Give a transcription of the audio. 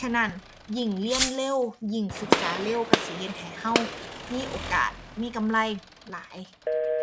ฉะนั้นยิ่งเรียนเร็ว ยิ่งศึกษาเร็ว คิดสิเฮ็ดให้คิดมีโอกาส มีกำไรหลาย